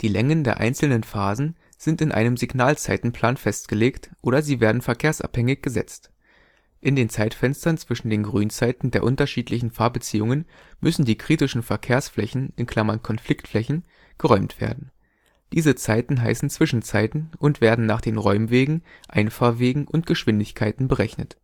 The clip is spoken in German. Längen der einzelnen Phasen sind in einem Signalzeitenplan festgelegt, oder sie werden verkehrsabhängig gesetzt. In den Zeitfenstern zwischen den Grünzeiten der unterschiedlichen Fahrbeziehungen müssen die kritischen Verkehrsflächen (Konfliktflächen) geräumt werden. Diese Zeiten heißen Zwischenzeiten und werden nach den Räumwegen, Einfahrwegen und Geschwindigkeiten berechnet